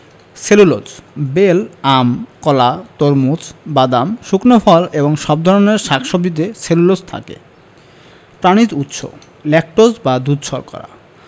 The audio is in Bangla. সেলুলোজ বেল আম কলা তরমুজ বাদাম শুকনো ফল এবং সব ধরনের শাক সবজিতে সেলুলোজ থাকে প্রানিজ উৎস ল্যাকটোজ বা দুধ শর্করা